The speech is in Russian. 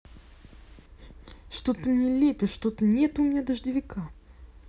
что ты мне лепишь что то нету меня дождевика